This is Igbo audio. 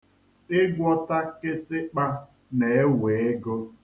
Ịgwọta kịtịkpa na-ewe ego